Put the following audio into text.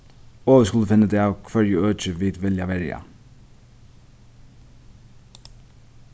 og vit skulu finna útav hvørji øki vit vilja verja